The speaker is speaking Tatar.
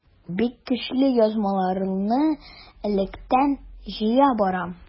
Бик көчле язмаларны электән җыя барам.